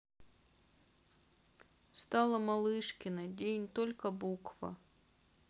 стала малышкиной день только буква